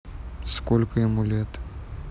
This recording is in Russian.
сколько ему лет